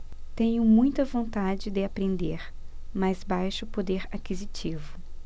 tenho muita vontade de aprender mas baixo poder aquisitivo